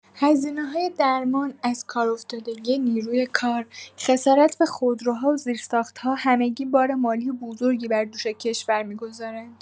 هزینه‌های درمان، ازکارافتادگی نیروی کار، خسارت به خودروها و زیرساخت‌ها، همگی بار مالی بزرگی بر دوش کشور می‌گذارند.